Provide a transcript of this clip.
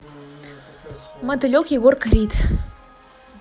мотылек егор крид